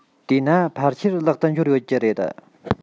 དེས ན ཕལ ཆེར ལག ཏུ འབྱོར ཡོད ཀྱི རེད